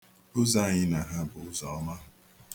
Ụzọ anyị na ha bụ ụzọọma.